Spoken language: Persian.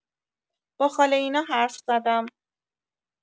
با خاله اینا حرف زدم